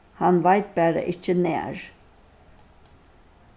hann veit bara ikki nær